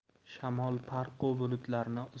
shamol parqu bulutlarni